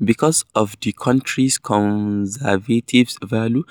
Because of the country's conservative values,